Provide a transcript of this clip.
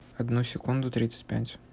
одну секунду тридцать пять